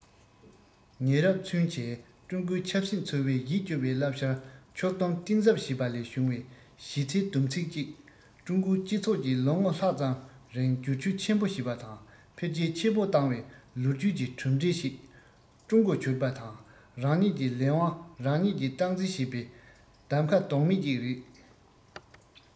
ཉེ རབས ཚུན གྱི ཀྲུང གོའི ཆབ སྲིད འཚོ བའི ཡིད སྐྱོ བའི བསླབ བྱར ཕྱོགས སྡོམ གཏིང ཟབ བྱས པ ལས བྱུང བའི གཞི རྩའི བསྡོམས ཚིག ཅིག ཀྲུང གོའི སྤྱི ཚོགས ཀྱིས ལོ ངོ ལྷག ཙམ རིང སྒྱུར བཅོས ཆེན པོ བྱས པ དང འཕེལ རྒྱས ཆེན པོ བཏང བའི ལོ རྒྱུས ཀྱི གྲུབ འབྲས ཤིག ཀྲུང གོ གྱུར པ དང རང ཉིད ཀྱི ལས དབང རང ཉིད ཀྱིས སྟངས འཛིན བྱས པའི གདམ ག ལྡོག མེད ཅིག རེད